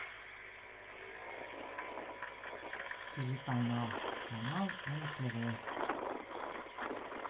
телеканал канал нтв